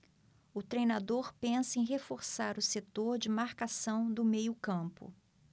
o treinador pensa em reforçar o setor de marcação do meio campo